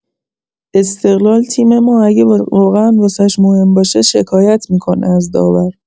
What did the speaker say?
استقلال تیم ما اگه واقعا واسش مهم باشه شکایت می‌کنه از داور